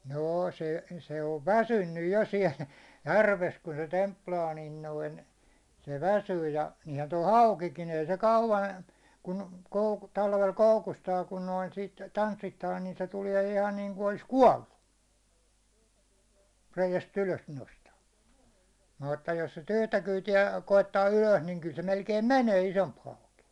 no se se on väsynyt jo siellä järvessä kun se templaa niin noin se väsyy ja niinhän tuo haukikin ei se kauan kun - talvella koukustaa kun noin sitä tanssittaa niin se tulee ihan niin kuin olisi kuollut reiästä ylös nostaa mutta jos sitä yhtä kyytiä koettaa ylös niin kyllä se melkein menee isompi hauki